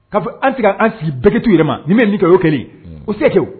Ka fɔ an te ka an sigi bɛɛ ke to i yɛrɛ ma ni min ye min kɛ o y'o kɛlen ye unhun o tise ka kɛ o